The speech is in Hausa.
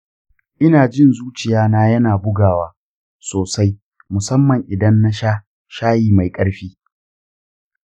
ina jin zuciya na yana bugawa sosai musamman idan na sha shayi mai ƙarfi